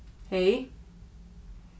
hey